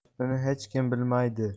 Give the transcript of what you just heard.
buni hech kim bilmaydi